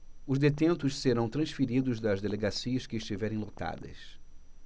os detentos serão transferidos das delegacias que estiverem lotadas